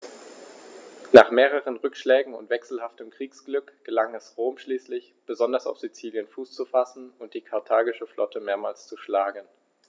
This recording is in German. Nach mehreren Rückschlägen und wechselhaftem Kriegsglück gelang es Rom schließlich, besonders auf Sizilien Fuß zu fassen und die karthagische Flotte mehrmals zu schlagen.